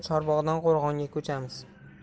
chorbog'dan qo'rg'onga ko'chamiz